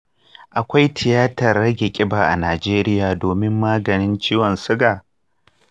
akwai tiyatar rage kiba a nigeria domin maganin ciwon suga?